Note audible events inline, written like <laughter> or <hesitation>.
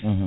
<hesitation> <hesitation>